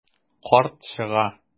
Карт чыга.